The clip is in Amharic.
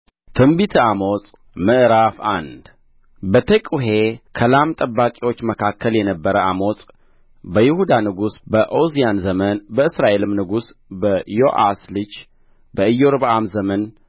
ትንቢተ አሞጽ ምዕራፍ አንድ በቴቁሔ ከላም ጠባቂዎች መካከል የነበረ አሞጽ በይሁዳ ንጉሥ በዖዝያን ዘመን በእስራኤልም ንጉሥ በዮአስ ልጅ በኢዮርብዓም ዘመን